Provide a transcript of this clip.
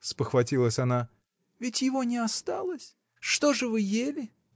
— спохватилась она, — ведь его не осталось! Что же вы ели?